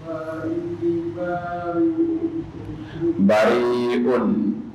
Ba bairig